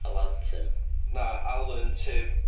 Alantim? Na, Alan Tim.